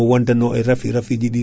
hen sahaji woɗɗata muudo